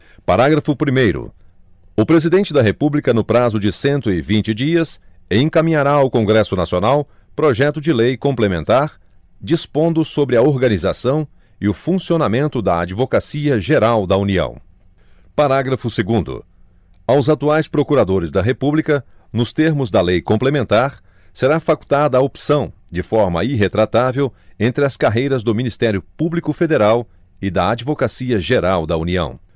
parágrafo primeiro o presidente da república no prazo de cento e vinte dias encaminhará ao congresso nacional projeto de lei complementar dispondo sobre a organização e o funcionamento da advocacia geral da união parágrafo segundo aos atuais procuradores da república nos termos da lei complementar será facultada a opção de forma irretratável entre as carreiras do ministério público federal e da advocacia geral da união